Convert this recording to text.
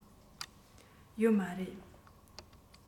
ཡོད མ རེད